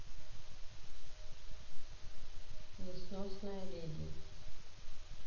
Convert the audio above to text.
несносная леди